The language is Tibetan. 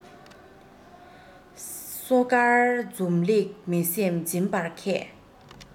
སོ དཀར འཛུམ ལེགས མི སེམས འཛིན པར མཁས